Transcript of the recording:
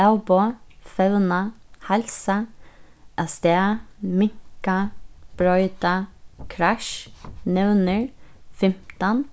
avboð fevna heilsa avstað minka broyta krassj nevnir fimtan